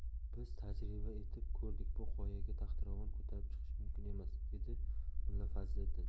biz tajriba etib ko'rdik bu qoyaga taxtiravon ko'tarib chiqish mumkin emas dedi mulla fazliddin